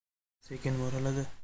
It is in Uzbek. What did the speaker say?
sekin mo'raladi